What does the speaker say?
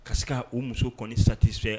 Ka se k o muso kɔni sati fɛ